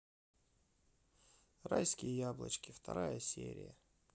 райские яблочки вторая серия